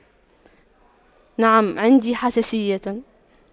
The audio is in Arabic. نعم عندي حساسية